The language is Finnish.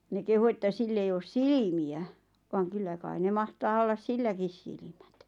ne kehui että sillä ei ole silmiä vaan kyllä kai ne mahtaa olla silläkin silmät